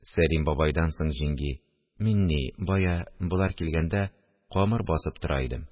Сәлим бабайдан соң җиңги: – Мин ни, бая, болар килгәндә, камыр басып тора идем